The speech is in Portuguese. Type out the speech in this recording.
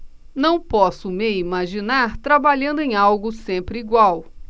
não posso me imaginar trabalhando em algo sempre igual